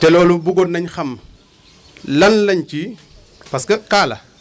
te loolu bëggoon nañu xam lan lañ ci parce que cas !fra la